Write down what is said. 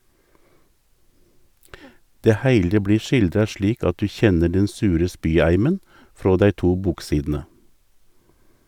Det heile blir skildra slik at du kjenner den sure spyeimen frå dei to boksidene!